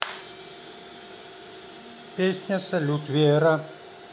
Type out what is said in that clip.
песня салют вера